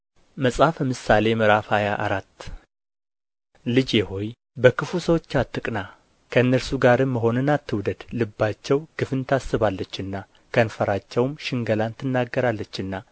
መጽሐፈ ምሳሌ ምዕራፍ ሃያ አራት ልጄ ሆይ በክፉ ሰዎች አትቅና ከእነርሱ ጋርም መሆንን አትውደድ ልባቸው ግፍን ታስባለችና ከንፈራቸውም ሽንገላን ትናገራለችና